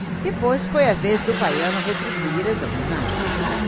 depois foi a vez do baiano retribuir as homenagens